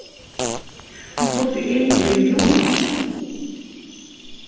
hon flutti inn í juni